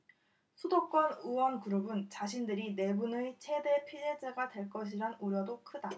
수도권 의원 그룹은 자신들이 내분의 최대 피해자가 될 것이란 우려도 크다